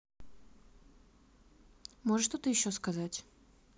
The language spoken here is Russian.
можешь что то еще рассказать